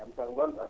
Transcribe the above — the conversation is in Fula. jam tan ngon?on